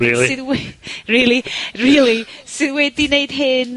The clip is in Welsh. Rili? Sydd we- rili, rili, sydd wedi neud hyn,